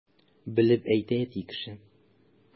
Белеп әйтә әти кеше!